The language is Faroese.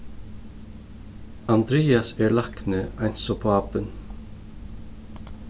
andrias er lækni eins og pápin